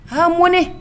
Han mɔnɛ